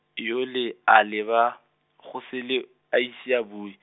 yole a leba, go sele, a ise a bue.